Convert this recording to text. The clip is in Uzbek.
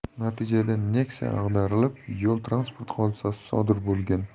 natijada nexia ag'darilib yo'l transport hodisasi sodir bo'lgan